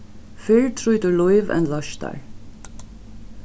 fyrr trýtur lív enn leistar